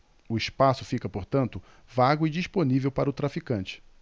o espaço fica portanto vago e disponível para o traficante